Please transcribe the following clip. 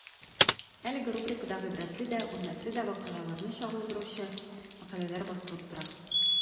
Әлеге рубрикада гыйбрәтле дә, үрнәкле дә вакыйгаларны чагылдыручы мәкаләләр басылып тора.